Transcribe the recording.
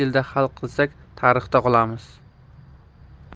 yilda hal qilsak tarixda qolamiz